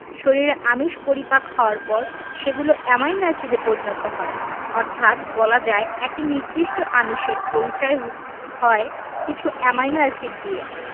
শরীরে আমিষ পরিপাক হওয়ার পর সেগুলো অ্যামাইনো এসিডে পরিণত হয় অর্থাৎ বলা যায় একটি নির্দিষ্ট আমিষের পরিচয় হয় কিছু অ্যামাইনো এসিড দিয়ে